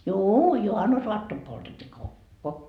juu juhannusaattona poltettiin kokko